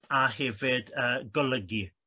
a hefyd yy golygu